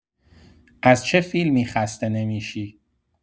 از چه فیلمی خسته نمی‌شی؟